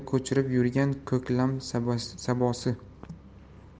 bulutlarni ko'chirib yurgan ko'klam sabosi